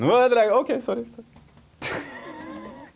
nå ødelegger jeg ok sorry sorry .